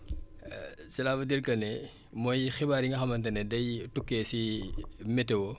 cela veut dire que ne mooy xibaar yi nga xamante ne day tukkee si météo